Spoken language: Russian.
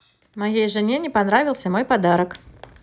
моей жене не понравился мой подарок